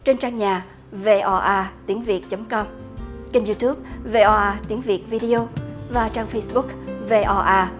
trên trang nhà vê o a tiếng việt chấm com kênh riu túp vê o a tiếng việt vi đê ô và trang phây búc vê o a